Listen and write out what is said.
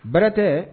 Baara tɛ